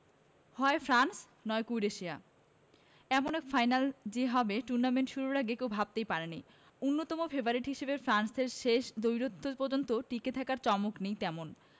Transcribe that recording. হয় ফ্রান্স নয় ক্রোয়েশিয়া এমন এক ফাইনাল যে হবে টুর্নামেন্ট শুরুর আগে কেউ ভাবতে পারেননি অন্যতম ফেভারিট হিসেবে ফ্রান্সের শেষ দ্বৈরথ পর্যন্ত টিকে থাকায় চমক নেই তেমন